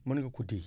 mën nga ko ko déye